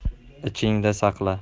ichingda saqla